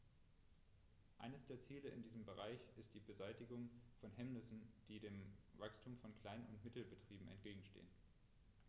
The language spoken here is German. Eines der Ziele in diesem Bereich ist die Beseitigung von Hemmnissen, die dem Wachstum von Klein- und Mittelbetrieben entgegenstehen.